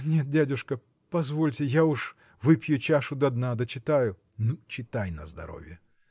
– Нет, дядюшка, позвольте, уж я выпью чашу до дна: дочитаю. – Ну, читай на здоровье.